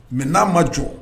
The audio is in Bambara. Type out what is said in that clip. Mais n'a ma jɔ